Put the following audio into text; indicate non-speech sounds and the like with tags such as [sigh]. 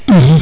[hesitation] [hesitation]